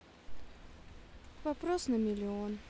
вопрос на миллион